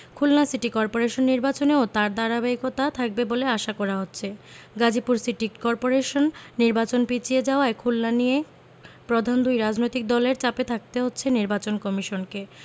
Khulna city corporation নির্বাচনেও তার ধারাবাহিকতা থাকবে বলে আশা করা হচ্ছে গাজীপুর সিটি করপোরেশন নির্বাচন পিছিয়ে যাওয়ায় খুলনা নিয়ে প্রধান দুই রাজনৈতিক দলের চাপে থাকতে হচ্ছে নির্বাচন কমিশনকে